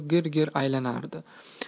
gir gir aylanardi